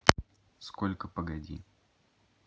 сколько погоди